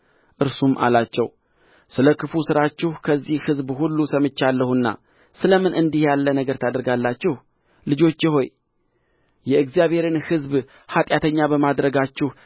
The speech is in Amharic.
እርሱም አላቸው ስለ ክፉ ሥራችሁ ከዚህ ሕዝብ ሁሉ ሰምቻለሁና ስለምን እንዲህ ያለ ነገር ታደርጋላችሁ ልጆቼ ሆይ የእግዚአብሔርን ሕዝብ ኃጢአተኛ በማድረጋችሁ